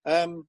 Yym.